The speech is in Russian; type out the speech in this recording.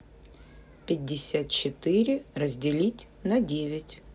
пятьдесят четыре разделить на девять